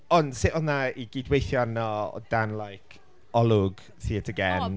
Ond sut oedd 'na i gydweithio arno, o dan like, olwg Theatr Gen?